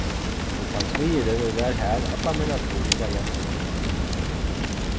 tí tann smiðurin ið var har alla mína tíð var jensen